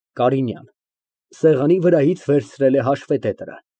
ԿԱՐԻՆՅԱՆ ֊ (Սեղանի վրայից վերցրել է հաշվետետրը)